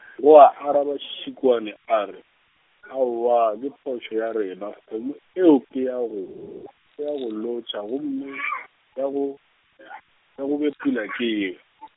go a araba Šikwane are , aowa ke phošo ya rena, kgomo eo ke ya go, ke ya go lotšha gomme, ya go , ya go bepula ke ye.